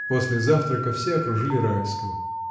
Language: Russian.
После завтрака все окружили Райского.